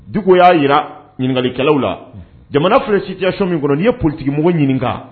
Duguko y'a jira ɲininkalikɛlaw la jamana filɛ sijasi min kɔnɔ' ye politigimɔgɔ ɲininka